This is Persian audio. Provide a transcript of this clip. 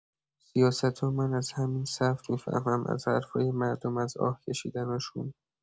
سیاستو من از همین صف می‌فهمم، از حرفای مردم، از آه کشیدناشون.